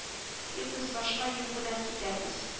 Юк без башка юл белән китәрбез